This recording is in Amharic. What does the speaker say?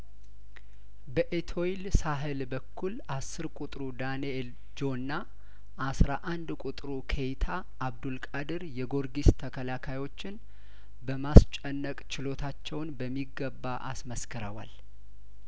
በኤቶይል ሳህል በኩል አስር ቁጥሩ ዳንኤል ጆና አስራ አንድ ቁጥሩ ኬይታ አብዱል ቃድር የጐርጊስ ተከላካዮችን በማስጨነቅ ችሎታቸውን በሚገባ አስመስክረዋል